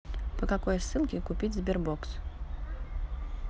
по какой ссылке купить sberbox